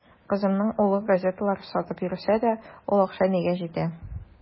Кызымның улы газеталар сатып йөрсә дә, ул акча нигә җитә.